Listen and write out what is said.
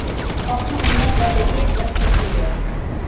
qopni o'nglab olay deb bir silkidi